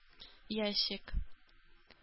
Ящик